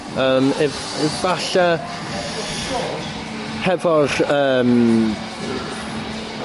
yym ef- efalle hefo'r yym